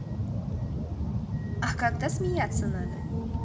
а когда смеяться надо